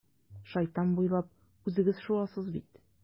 Шайтан буйлап үзегез шуасыз бит.